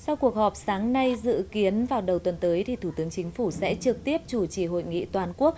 sau cuộc họp sáng nay dự kiến vào đầu tuần tới thì thủ tướng chính phủ sẽ trực tiếp chủ trì hội nghị toàn quốc